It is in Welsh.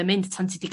a mynd tan ti 'di...